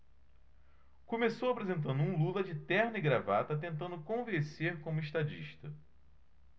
começou apresentando um lula de terno e gravata tentando convencer como estadista